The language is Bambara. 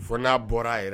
Fo n'a bɔra a yɛrɛ